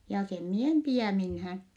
ja sen minä en pidä minään